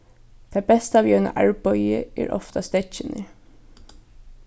tað besta við einum arbeiði er ofta steðgirnir